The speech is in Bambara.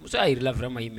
Muso y'a jir'i la vraiment